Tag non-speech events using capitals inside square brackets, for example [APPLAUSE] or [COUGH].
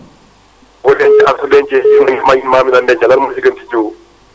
[NOISE] boo denc ak su dencee jiwu yi [NOISE] mag ñi maam ñi daan dencee lan moo gën si jiwu